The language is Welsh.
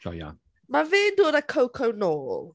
Joio. Ma' fe'n dod â Coco nôl.